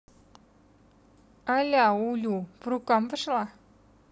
а ля улю по рукам пошла